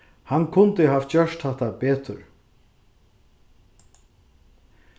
hann kundi havt gjørt hatta betur